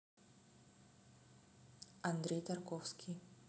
андрей тарковский